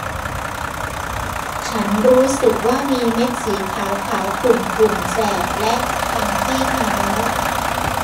ฉันรู้สึกว่ามีเม็ดสีขาวขาวขุ่นขุ่นแสบและคันที่เท้า